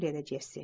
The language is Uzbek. dedi jessi